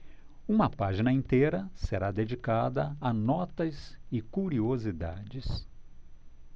uma página inteira será dedicada a notas e curiosidades